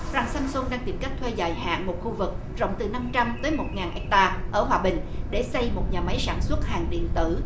rằng sam sung đang tìm cách thuê dài hạn một khu vực rộng từ năm trăm tới một ngàn héc ta ở hòa bình để xây một nhà máy sản xuất hàng điện tử